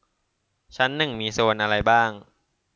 ชั้นหนึ่งมีโซนอะไรบ้าง